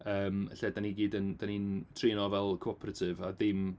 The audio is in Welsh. Yym lle dan ni gyd yn... dan ni'n trîn o fel co-operative a dim...